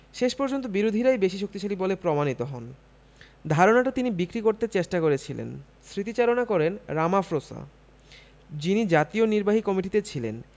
শেষ পর্যন্ত বিরোধীরাই বেশি শক্তিশালী বলে প্রমাণিত হন ধারণাটা তিনি বিক্রি করতে চেষ্টা করেছিলেন স্মৃতিচারণা করেন রামাফ্রোসা যিনি জাতীয় নির্বাহী কমিটিতে ছিলেন